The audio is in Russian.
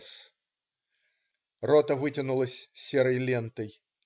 С. Рота вытянулась серой лентой.